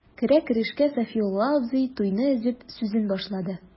Керә-керешкә Сафиулла абзый, туйны өзеп, сүзен башлады.